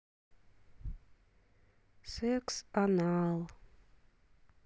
секс анал